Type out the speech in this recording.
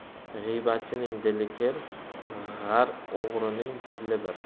g'iybatchining dili kir g'ar o'g'rining tili bir